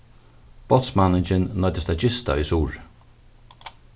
bátsmanningin noyddist at gista í suðuroy